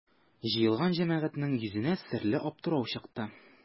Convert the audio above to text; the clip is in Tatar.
Җыелган җәмәгатьнең йөзенә серле аптырау чыкты.